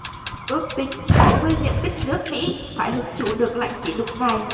ước tính bảy mươi diện tích nước mỹ phải hứng chịu đợt lạnh kỷ lục này